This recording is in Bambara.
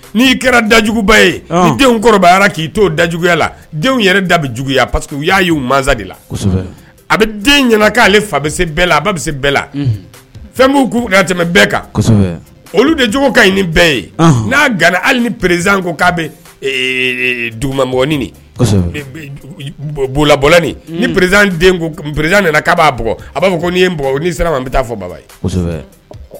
N'i kɛra dajuguba ye denw kɔrɔbaya k'i t' da juguya la denw yɛrɛ da jugu pa que y'a mansa de la a bɛ den ɲɛna'ale fa se bɛɛ la a ba se bɛɛ la fɛn k'u kuu tɛmɛ bɛɛ kan olu dejugu ka ɲi ni bɛɛ ye n'a gari hali ni perez ko k'a bɛ dugumɔgɔbɔ ni perez perez nana k' b'a bɔ a b'a fɔ ko' ye nii sera bɛ taa fɔ baba ye